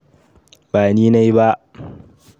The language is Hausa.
Ba ni nayi ba.”